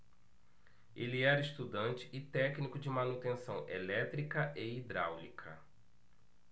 ele era estudante e técnico de manutenção elétrica e hidráulica